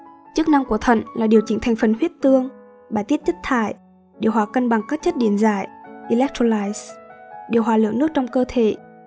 chức năng của thận là điều chỉnh thành phần huyết tương bài tiết chất thải điều hòa cân bằng các chất điện giải điều hòa lượng nước trong cơ thể